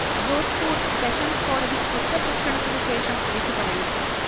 Jodhpur sessions കോടതി ഉച്ചഭക്ഷണത്തിനു ശേഷം വിധി പറയും